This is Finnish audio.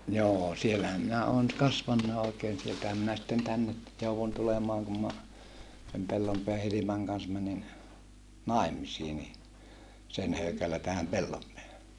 joo siellähän minä olen kasvanutkin oikein sieltähän minä sitten tänne jouduin tulemaan kun minä sen Pellonpään Hilman kanssa menin naimisiin niin sen höykällä tähän Pellonpäähän